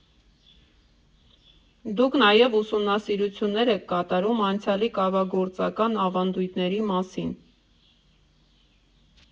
Դուք նաև ուսումնասիրություններ եք կատարում անցյալի կավագործական ավանդույթների մասին…